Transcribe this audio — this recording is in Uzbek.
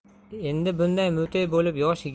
endi bunday mute bo'lib yosh